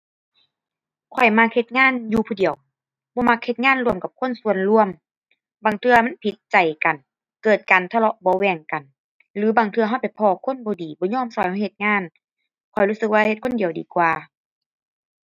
ข้อยมักเฮ็ดงานอยู่ผู้เดียว บ่มักเฮ็ดงานร่วมกับคนส่วนรวม บางเทื่อมันผิดใจกัน เกิดการทะเลาะเบาะแว้งกัน หรือบางเทื่อเราไปพ้อคนบ่ดี บ่ยอมเราเราเฮ็ดงาน ข้อยรู้สึกว่าเฮ็ดคนเดียวดีกว่า